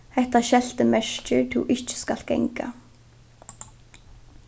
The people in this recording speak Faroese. hetta skeltið merkir tú ikki skalt ganga